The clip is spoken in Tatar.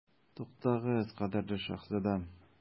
Туктагыз, кадерле шаһзадәм.